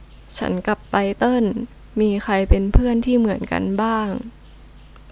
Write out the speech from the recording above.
ฉันกับไตเติ้ลมีใครเป็นเพื่อนที่เหมือนกันบ้าง